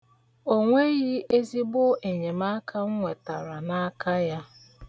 O nweghị ezigbo enyemaka m nwetara n'aka ya.